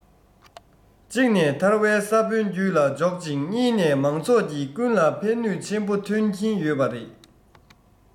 གཅིག ནས ཐར བའི ས བོན རྒྱུད ལ འཇོག ཅིང གཉིས ནས མང ཚོགས ཀྱི ཀུན སྤྱོད ལ ཕན ནུས ཆེན པོ ཐོན གྱིན ཡོད པ རེད